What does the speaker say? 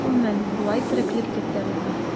Гомумән, болай тереклек итеп тә булмый.